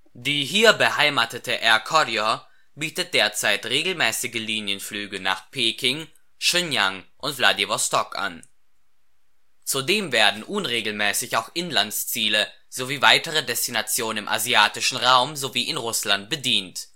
Die hier beheimatete Air Koryo bietet derzeit regelmäßige Linienflüge nach Peking, Shenyang und Wladiwostok an. Zudem werden unregelmäßig auch Inlandsziele sowie weitere Destinationen im asiatischen Raum sowie in Russland bedient